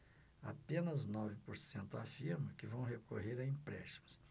apenas nove por cento afirmam que vão recorrer a empréstimos